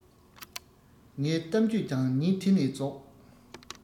ངའི གཏམ རྒྱུད ཀྱང ཉིན དེ ནས རྫོགས